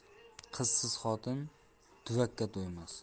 qizsiz xotin tuvakka to'ymas